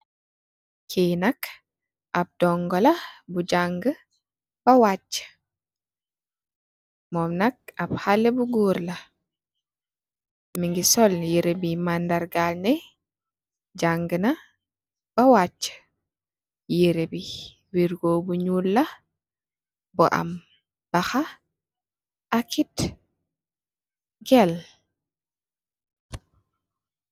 Kii nak, ab ndongo la bu jaangë bu waaci. Mon nak, ab xalé bu goor la. Mu ngi sol riree buy wane mandargaal ne, jaangë na, bë waaci. Yiree bi, wergoo bu ñuul la, bu am baxa akit kel.